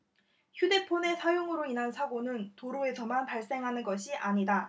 휴대폰의 사용으로 인한 사고는 도로에서만 발생하는 것이 아니다